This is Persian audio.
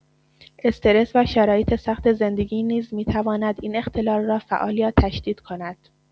استرس و شرایط سخت زندگی نیز می‌تواند این اختلال را فعال یا تشدید کند.